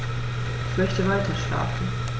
Ich möchte weiterschlafen.